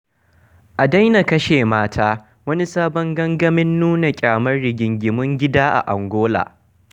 A daina kashe mata - wani sabon gangamin nuna ƙyamar rigingimun gida a Angola.